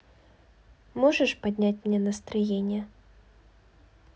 можешь поднять мне настроение